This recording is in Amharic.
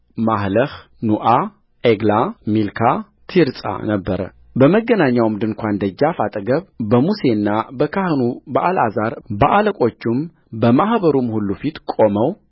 ማህለህ ኑዓ ዔግላ ሚልካ ቲርጻ ነበረበመገናኛውም ድንኳን ደጃፍ አጠገብ በሙሴና በካህኑ በአልዓዛር በአለቆቹም በማኅበሩም ሁሉ ፊት ቆመው